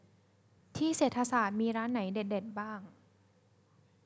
ที่เศรษฐศาสตร์มีร้านไหนเด็ดเด็ดบ้าง